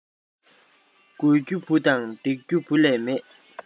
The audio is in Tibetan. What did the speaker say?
དགོས རྒྱུ བུ དང འདེགས རྒྱུ བུ ལས མེད